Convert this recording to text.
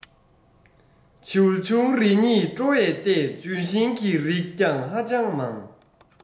བྱེའུ ཆུང རེ གཉིས སྤྲོ བས བརྟས ལྗོན ཤིང གི རིགས ཀྱང ཧ ཅང མང